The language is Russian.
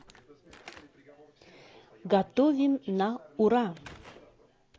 готовим на ура